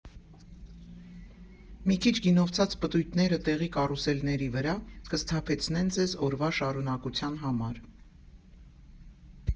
Մի քիչ գինովցած պտույտները տեղի կարուսելների վրա կսթափեցնեն ձեզ օրվա շարունակության համար։